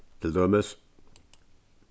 til dømis